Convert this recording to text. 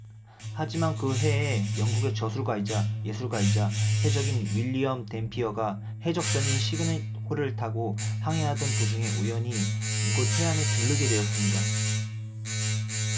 하지만 그 해에 영국의 저술가이자 예술가이자 해적인 윌리엄 댐피어가 해적선인 시그닛 호를 타고 항해하던 도중에 우연히 이곳 해안에 들르게 되었습니다